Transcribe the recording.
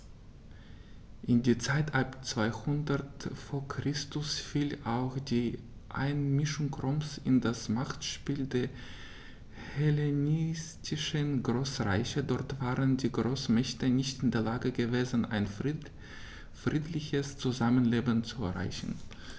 In die Zeit ab 200 v. Chr. fiel auch die Einmischung Roms in das Machtspiel der hellenistischen Großreiche: Dort waren die Großmächte nicht in der Lage gewesen, ein friedliches Zusammenleben zu erreichen.